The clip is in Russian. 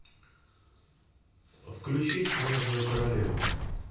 включи снежную королеву